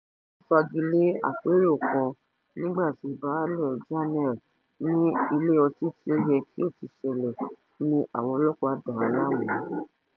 Wọ́n fagilé àpérò kan nígbà tí baálẹ̀ Janeer, ní ilé ọtí tí ó yẹ kí ó ti ṣẹlẹ̀, ní àwọn ọlọ́pàá dà láàmú.